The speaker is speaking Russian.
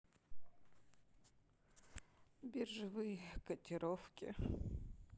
биржевые котировки